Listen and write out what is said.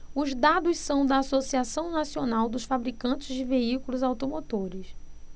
os dados são da anfavea associação nacional dos fabricantes de veículos automotores